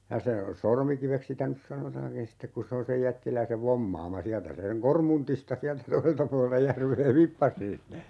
ja se Sormikiveksi sitä nyt sanotaankin sitten kun se on sen jättiläisen vommaama sieltä se sen Kormuntista sieltä toiselta puolelta järveä vippasi sinne